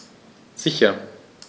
Sicher.